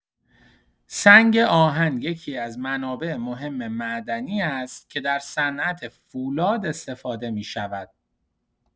سنگ‌آهن یکی‌از منابع مهم معدنی است که در صنعت فولاد استفاده می‌شود.